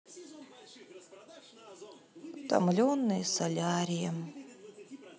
утомленные солярием